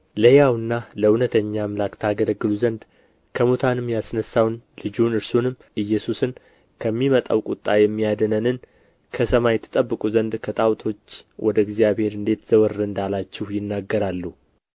ለሕያውና ለእውነተኛ አምላክም ታገለግሉ ዘንድ ከሙታንም ያስነሳውን ልጁን እርሱንም ኢየሱስን ከሚመጣው ቍጣ የሚያድነንን ከሰማይ ትጠብቁ ዘንድ ከጣዖቶች ወደ እግዚአብሔር እንዴት ዘወር እንዳላችሁ ይናገራሉ